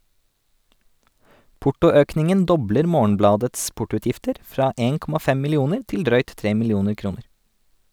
Portoøkningen dobler Morgenbladets portoutgifter fra 1.5 millioner til drøyt tre millioner kroner.